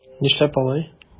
Нишләп алай?